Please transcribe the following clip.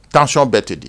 Tancɔn bɛɛ tɛ di